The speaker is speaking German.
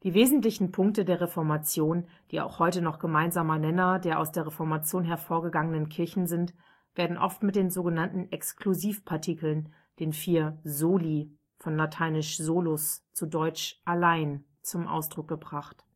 wesentlichen Punkte der Reformation, die auch heute noch gemeinsamer Nenner der aus der Reformation hervorgegangenen Kirchen sind, werden oft mit den sogenannten Exklusivpartikeln, den vier soli (lat. solus „ allein “), zum Ausdruck gebracht